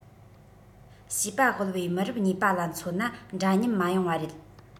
བྱིས པ དབུལ པོའི མི རབས གཉིས པ ལ མཚོན ན འདྲ མཉམ མ ཡོང བ རེད